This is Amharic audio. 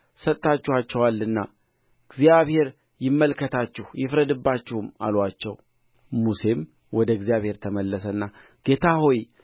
ሰጥታችኋቸዋልና እግዚአብሔር ይመልከታችሁ ይፍረድባችሁም አሉአቸው ሙሴም ወደ እግዚአብሔር ተመለሰና ጌታ ሆይ